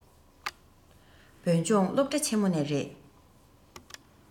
བོད ལྗོངས སློབ གྲྭ ཆེན མོ ནས རེད